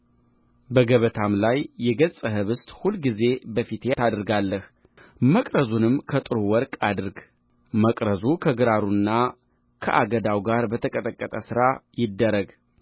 በገበታም ላይ የገጽ ኅብስት ሁልጊዜ በፊቴ ታደርጋለህ መቅረዝንም ከጥሩ ወርቅ አድርግ መቅረዙ ከእግሩና ከአገዳው ጋር በተቀጠቀጠ ሥራ ይደረግ